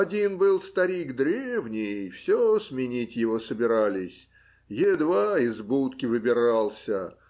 Один был старик древний; все сменить его собирались: едва из будки выбирался.